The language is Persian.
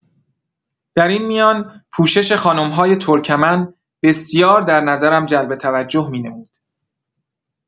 در این میان پوشش خانم‌های ترکمن بسیار در نظرم جلب توجه می‌نمود.